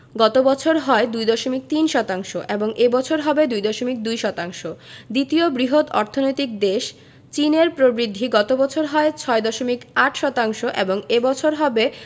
গত বছর হয় ২.৩ শতাংশ এবং এ বছর হবে ২.২ শতাংশ দ্বিতীয় বৃহৎ অর্থনৈতিক দেশ চীনের প্রবৃদ্ধি গত বছর হয় ৬.৮ শতাংশ এবং এ বছর হবে